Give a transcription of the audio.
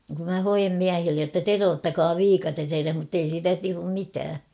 kun minä hoen miehille jotta teroittakaa viikate edes mutta ei siitä tule mitään